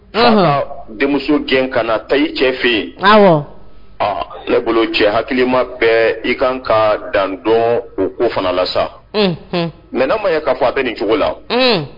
Walasa denmuso gɛn kana ta i cɛ fɛ yen ne bolo cɛ halima bɛ i kan ka dan dɔn o fana la sa mɛ' ma ya k'a fɔ a bɛ nin cogo la